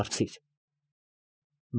Դարձիր»։